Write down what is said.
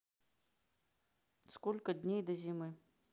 сколько дней до зимы